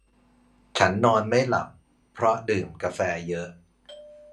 ฉันนอนไม่หลับเพราะดื่มกาแฟเยอะ